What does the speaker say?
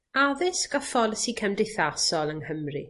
Addysg a pholisi cymdeithasol yng Nghymru.